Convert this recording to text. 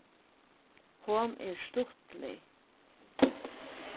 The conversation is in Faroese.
hon er stuttlig